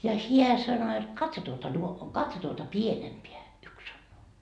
ja hän sanoi että katso tuota - katso tuota pienempää yksi sanoo